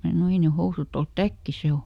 minä sanoin ei ne housut ole täkki se on